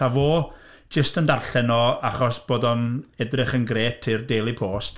a fo jyst yn darllen o achos bod o'n edrych yn grêt i'r Daily Post.